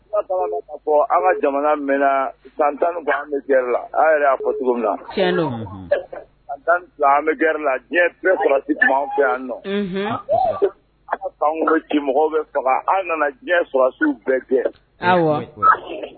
Fɔ an ka jamana mɛn san tan an bɛ g la a'a fɔ cogo na an tan an bɛ g la diɲɛ bɛɛ bɛ yan nɔ ala fan nci mɔgɔw bɛ saba an nana diɲɛ kɔlɔsisiw bɛɛ gɛn